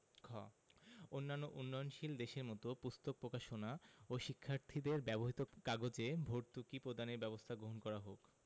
খ অন্যান্য উন্নয়নশীল দেশের মত পুস্তক প্রকাশনা ও শিক্ষার্থীদের ব্যবহৃত কাগজে ভর্তুকি প্রদানের ব্যবস্থা গ্রহণ করা হোক